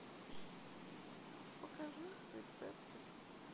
покажи рецепты